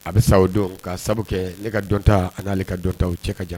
A bɛ sa o don ka sababu kɛ ne ka dɔn ta ani n'ale ka dɔ taw cɛ ka jan